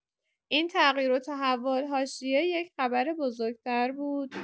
این تغییر و تحول حاشیه یک خبر بزرگ‌تر بود.